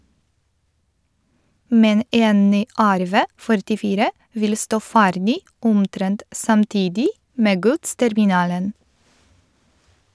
Men en ny RV 44 vil stå ferdig omtrent samtidig med godsterminalen.